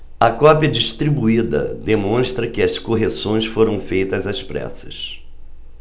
a cópia distribuída demonstra que as correções foram feitas às pressas